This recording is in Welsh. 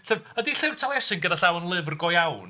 Llyf- ydi Llyfr Taliesin gyda llaw yn lyfr go iawn?